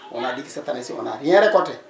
on a dit que cette année ci on n' a rien récolté